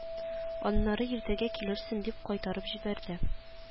Аннары иртәгә килерсең дип кайтарып җибәрде